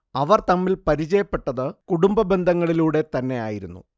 അവര്‍ തമ്മിൽ പരിചയപ്പെട്ടത് കുടുംബ ബന്ധങ്ങളിലൂടെതന്നെയായിരുന്നു